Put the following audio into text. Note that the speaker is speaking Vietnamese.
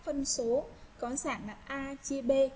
phân số có sẵn là ib